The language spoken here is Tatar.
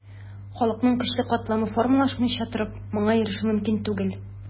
Халыкның көчле катламы формалашмыйча торып, моңа ирешү мөмкин түгел.